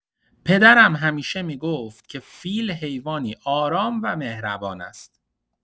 پدرم همیشه می‌گفت که فیل حیوانی آرام و مهربان است.